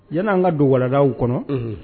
Yan an ka donwadaw kɔnɔ